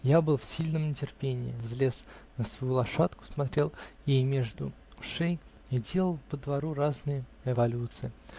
Я был в сильном нетерпении: взлез на свою лошадку, смотрел ей между ушей и делал по двору разные эволюции.